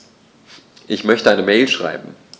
Ich möchte eine Mail schreiben.